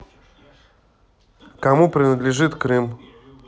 кому принадлежит крым